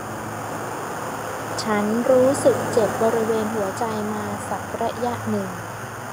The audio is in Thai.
ฉันรู้สึกเจ็บบริเวณหัวใจมาสักระยะหนึ่ง